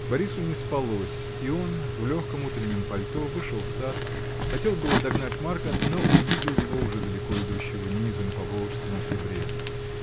Борису не спалось, и он в легком утреннем пальто вышел в сад, хотел было догнать Марка, но увидел его уже далеко идущего низом по волжскому прибрежью.